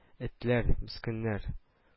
Этләр, мескеннәр